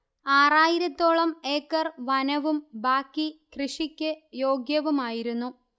ആറായിരത്തോളം ഏക്കർ വനവും ബാക്കി കൃഷിക്ക് യോഗ്യവുമായിരുന്നു